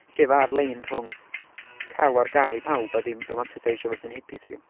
Lle mae'r lein rhwng cael o ar gael i pawb a ddim romanteseisio fo fod yn hippie ti'n gwbod?